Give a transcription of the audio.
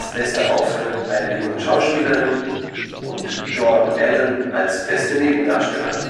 bester Auftritt einer jungen Schauspielerin (Dominique Swain) beste Nebendarstellerin